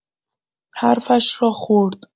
حرفش را خورد.